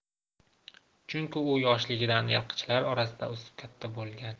chunki u yoshligidan yilqichilar orasida o'sib katta bo'lgan